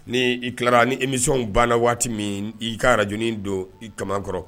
Ni i tilara ni imiw banna waati min i karaj don ka kɔrɔ